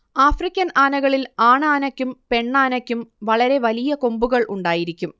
African ആനകളിൽ ആണാനയ്ക്കും പെണ്ണാനയ്ക്കും വളരെ വലിയ കൊമ്പുകൾ ഉണ്ടായിരിക്കും